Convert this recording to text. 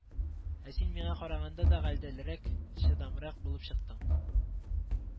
Ә син миңа караганда да гаделрәк, чыдамрак булып чыктың